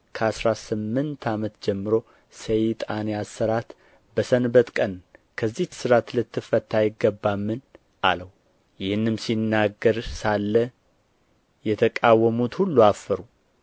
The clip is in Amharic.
ከአሥራ ስምንት ዓመት ጀምሮ ሰይጣን ያሰራት በሰንበት ቀን ከዚህ እስራት ልትፈታ አይገባምን አለው ይህንም ሲናገር ሳለ የተቃወሙት ሁሉ አፈሩ